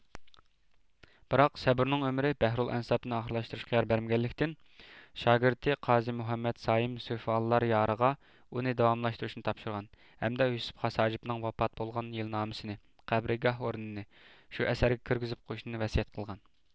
بىراق سەبۇرىنىڭ ئۆمرى بەھرۇل ئەنساب نى ئاخىرلاشتۇرۇشقا يار بەرمىگەنلىكتىن شاگىرتى قازى مۇھەممەد سايىم سوفىئاللار يارىغا ئۇنى داۋاملاشتۇرۇشنى تاپشۇرغان ھەمدە يۈسۈپ خاس ھاجىپنىڭ ۋاپات بولغان يىلنامىسىنى قەبرىگاھ ئورنىنى شۇ ئەسەرگە كىرگۈزۈپ قويۇشنى ۋەسىيەت قىلغان